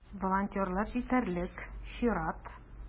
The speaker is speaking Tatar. Волонтерлар җитәрлек - чират.